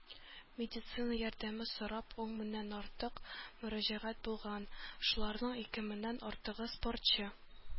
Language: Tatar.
Медицина ярдәме сорап ун меңнән артык мөрәҗәгать булган, шуларның ике меңнән артыгы - спортчы.